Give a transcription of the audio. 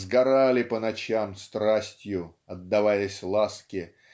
сгорали по ночам страстью отдаваясь ласке